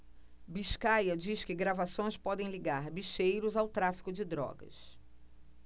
biscaia diz que gravações podem ligar bicheiros ao tráfico de drogas